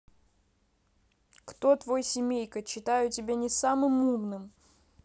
кто твой семейка читаю тебя не самым умным